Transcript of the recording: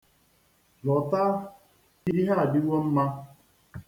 Lọta, ihe adịwo mma!